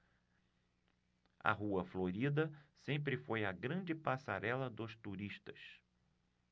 a rua florida sempre foi a grande passarela dos turistas